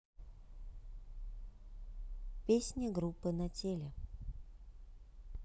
песня группы на теле